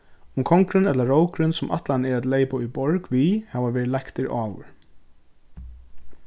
um kongurin ella rókurin sum ætlanin er at leypa í borg við hava verið leiktir áður